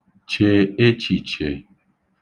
chè echìchè